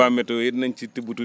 waa météo yi dinañ ci tibb tuuti